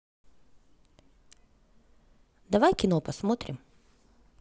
давай кино посмотрим